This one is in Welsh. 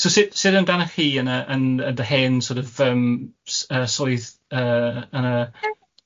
So sut sut amdanoch chi yn y yn yn dy hen sort of yym s- yy swydd yy yn y yym?